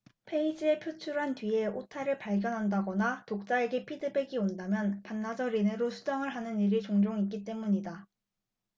페이지에 표출한 뒤에 오타를 발견한다거나 독자에게 피드백이 온다면 반나절 이내로 수정을 하는 일이 종종 있기 때문이다